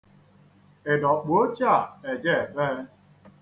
Ị dọkpụ oche a eje ebe e?